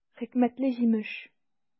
Хикмәтле җимеш!